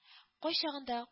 Кайчагында